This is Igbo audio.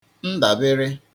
ndàbere